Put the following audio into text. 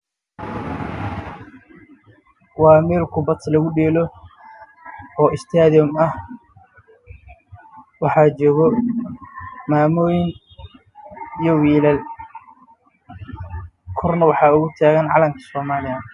Waa meel kubad lagu dheelo waxaa jooga wiilal iyo maamoyin kor waxaa oga taagan calan ka Somalia